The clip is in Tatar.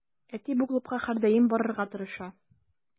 Әти бу клубка һәрдаим барырга тырыша.